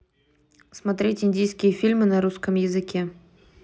смотреть индийские фильмы на русском языке